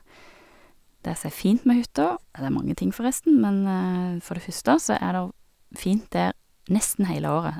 Det som er fint med hytta, ja, det er mange ting, forresten, men for det første så er der fint der nesten heile året.